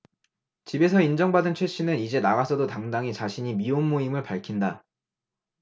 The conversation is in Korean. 집에서 인정받은 최 씨는 이제 나가서도 당당히 자신이 미혼모임을 밝힌다